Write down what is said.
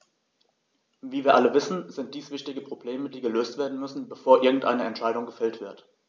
Wie wir alle wissen, sind dies wichtige Probleme, die gelöst werden müssen, bevor irgendeine Entscheidung gefällt wird.